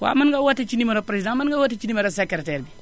waaw mën nga woote ci numéro président mën nga woote ci numéro secrétaire bi